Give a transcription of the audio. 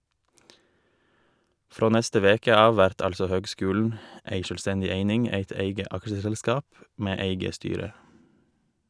Frå neste veke av vert altså høgskulen ei sjølvstendig eining, eit eige aksjeselskap med eige styre.